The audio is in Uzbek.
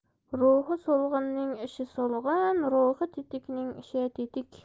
ruhi so'lg'inning ishi so'lg'in ruhi tetikning ishi tetik